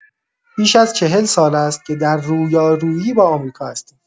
بیش از چهل سال است که در رویارویی با آمریکا هستیم.